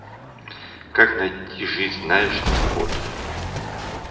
как найти жизнь знаешь на код